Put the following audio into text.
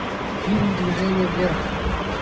фильм движение вверх